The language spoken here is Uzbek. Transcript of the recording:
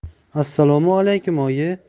assalomu alaykum oyi